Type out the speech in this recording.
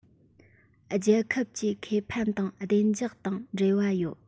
རྒྱལ ཁབ ཀྱི ཁེ ཕན དང བདེ འཇགས དང འབྲེལ བ ཡོད